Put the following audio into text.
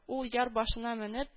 Ул яр башына менеп